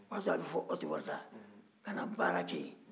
o y'a sɔrɔ a bɛ fɔ ko ɔti wɔlita ka na baara kɛ yen